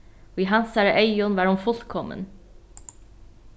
í hansara eygum var hon fullkomin